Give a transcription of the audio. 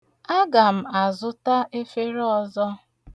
Aga m azụta efere ọzọ.